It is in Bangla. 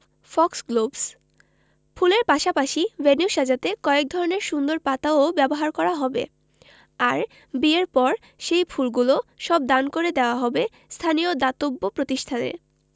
ফক্সগ্লোভস ফুলের পাশাপাশি ভেন্যু সাজাতে কয়েক ধরনের সুন্দর পাতাও ব্যবহার করা হবে আর বিয়ের পর সেই ফুলগুলো সব দান করে দেওয়া হবে স্থানীয় দাতব্য প্রতিষ্ঠানে